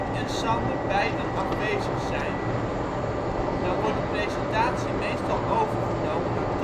en Sander beiden afwezig zijn, dan wordt de presentatie meestal overgenomen door